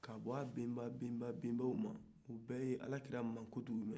k'a bɔ a bɛnba-bɛnbaw ma u bɛɛ ye alakira mankutu mɛn